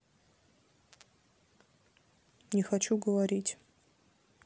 не хочу говорить